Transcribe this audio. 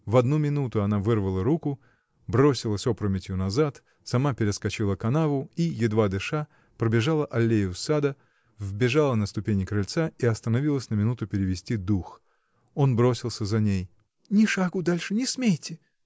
В одну минуту она вырвала руку, бросилась опрометью назад, сама перескочила канаву и, едва дыша, пробежала аллею сада, взбежала на ступени крыльца и остановилась на минуту перевести дух. Он бросился за ней. — Ни шагу дальше — не смейте!